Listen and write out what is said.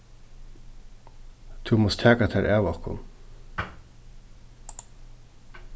tú mást taka tær av okkum